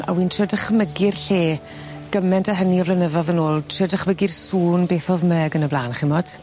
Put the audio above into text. ...a wi'n trio dychmygu'r lle gyment a hynny o flynyddodd yn ôl, trio dychmygu'r sŵn beth o'dd 'ma ag yn y blan ch'mod?